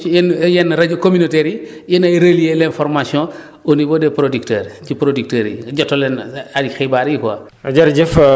donc émissions yooyu ci yenn yenn rajo communautaires yi yéenay relier l' information au niveau des producteurs ci producteurs yi jottali leen ay xibaar yi quoi